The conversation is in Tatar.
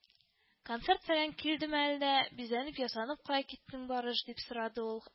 — концерт-фәлән килдеме әллә, бизәнеп-ясанып кая китеп барыш, — дип сорады ул